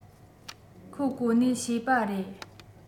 ཁོ བསྐོལ ནས ཤེས པ རེད